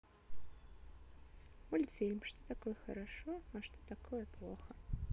мультфильм что такое хорошо а что такое плохо